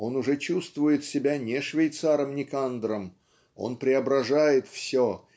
он уже чувствует себя не швейцаром Никандром он преображает все